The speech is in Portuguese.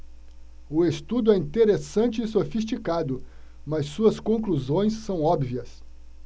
o estudo é interessante e sofisticado mas suas conclusões são óbvias